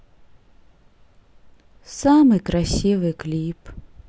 самый красивый клип